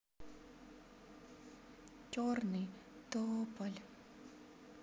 черный тополь